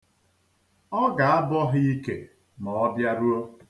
Ọ ga-abọ ha ike ma ọ bịaruo.